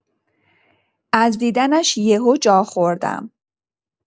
از دیدنش یهو جا خوردم.